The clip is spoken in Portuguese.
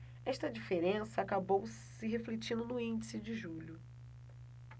esta diferença acabou se refletindo no índice de julho